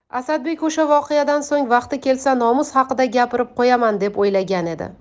asadbek o'sha voqeadan so'ng vaqti kelsa nomus haqida gapirib qo'yaman deb o'ylagan edi